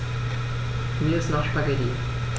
Mir ist nach Spaghetti.